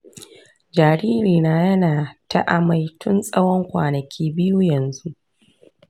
jaririna yana ta amai tun tsawon kwanaki biyu yanzu.